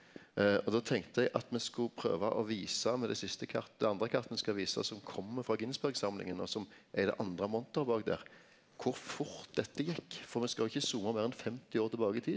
og då tenkte eg at me skulle prøva å visa med det siste det andre kartet me skal visa som kjem frå Ginsberg-samlinga og som er i det andre monteret bak der kor fort dette gjekk, for me skal jo ikkje zooma meir enn 50 år tilbake i tid.